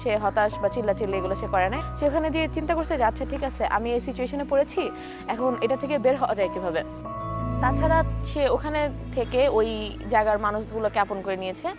সে হতাশ বা চিল্লাচিল্লি এগুলা সে করে নাই সে ওখানে যে চিন্তা করছে যে আচ্ছা ঠিক আছে আমি সিচুয়েশনে পড়েছি এখন এটা থেকে বের হওয়া যায় কিভাবে তাছাড়া যে ওখানে থেকে ওই জায়গার মানুষ গুলো কে আপন করে নিয়েছে